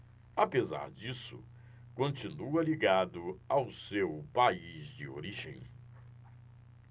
apesar disso continua ligado ao seu país de origem